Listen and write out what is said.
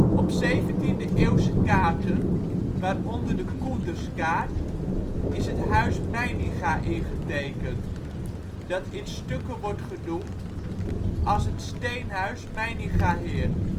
Op 17e eeuwse kaarten (waaronder de Coenderskaart) is het huis Meininga ingetekend, dat in stukken wordt genoemd als het steenhuis Meiningaheerd